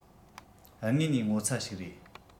དངོས ནས ངོ ཚ ཞིག རེད